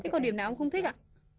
có điểm nào ông không thích ạ